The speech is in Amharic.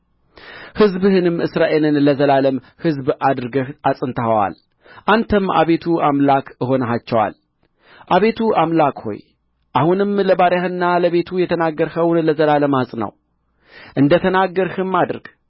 ሕዝብህንም እስራኤልን ለዘላለም ሕዝብ አድርገህ አጽንተኸዋል አንተም አቤቱ አምላክ ሆነሃቸዋል አቤቱ አምላክ ሆይ አሁንም ለባሪያህና ለቤቱ የተናገርኸውን ለዘላለም አጽናው እንደ ተናገርህም አድርግ